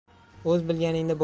o'z bilganingda bo'lma